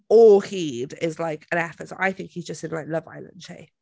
o hyd is like an effort, so I think he's just like in Love Island shape.